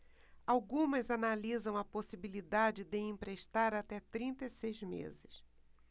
algumas analisam a possibilidade de emprestar até trinta e seis meses